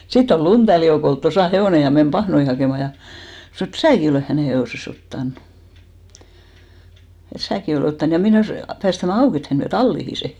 sitten oli Lundellin Joukolla tuossa hevonen ja meni pahnoja hakemaan ja sanoi että sinäkin olet hänen hevosensa ottanut että sinäkin olet ottanut ja menes päästämään auki että hän vie talliin sen